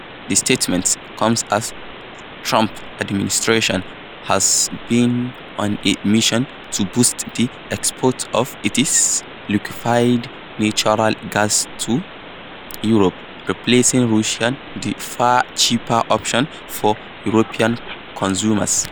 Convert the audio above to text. The statements come as Trump administration has been on a mission to boost the export of its liquefied natural gas to Europe, replacing Russia, the far cheaper option for European consumers.